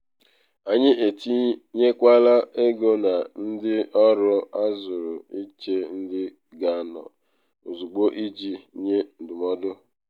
Anyị etinyekwala ego na ndị ọrụ azụrụ iche ndị ga-anọ ozugbo iji nye ndụmọdụ.